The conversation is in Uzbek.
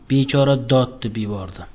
bechora dod deb yubordi